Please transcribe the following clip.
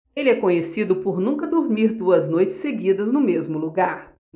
ele é conhecido por nunca dormir duas noites seguidas no mesmo lugar